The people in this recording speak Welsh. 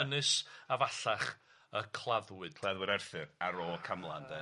Ynys Afallach y claddwyd... Claddwyd Arthur ar ôl Camlan, 'de.